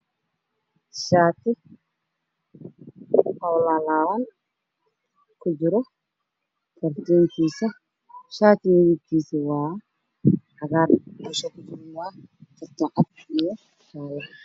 Shaarti oo laalaaban kujiro shadadiisa